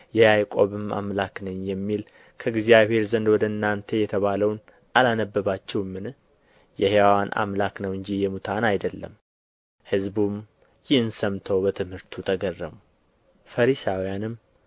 የያዕቆብም አምላክ ነኝ የሚል ከእግዚአብሔር ዘንድ ወደ እናንተ የተባለውን አላነበባችሁምን የሕያዋን አምላክ ነው እንጂ የሙታን አይደለም ሕዝቡም ይህን ሰምተው በትምህርቱ ተገረሙ ፈሪሳውያንም